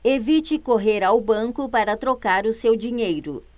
evite correr ao banco para trocar o seu dinheiro